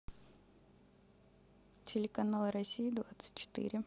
телеканал россия двадцать четыре